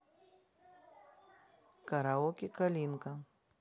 караоке калинка